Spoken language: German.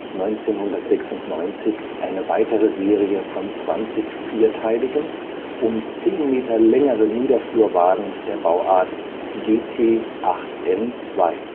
1996 eine weitere Serie von 20 vierteiligen um zehn Meter längere Niederflurwagen der Bauart GT8N2